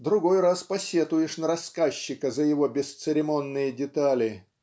Другой раз посетуешь на рассказчика за его бесцеремонные детали